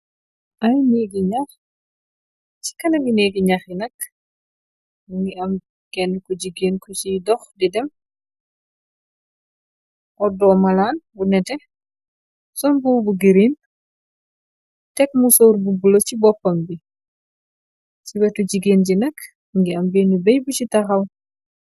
At neegu ñaax, ci kanami néegi ñax yi nak, mingi am kenne ko jigéen ko ci dox di dem, oddoo malaan bu neté, sol mbubu bu giriin, tek musóor bu bula ci boppam bi, ci wétu jigéen ji nakk, mingi am bénne béy bu ci taxaw.